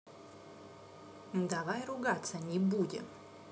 давай ругаться не будем